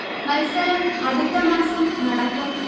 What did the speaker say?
മത്സരം അടുത്ത മാസം നടക്കും